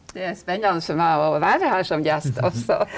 det er spennende for meg å å være her som gjest også.